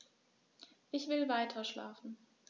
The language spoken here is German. Ich will weiterschlafen.